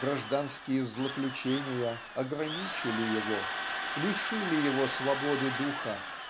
гражданские злоключения ограничили его лишили его свободы духа